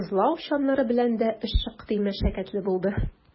Тозлау чаннары белән дә эш шактый мәшәкатьле булды.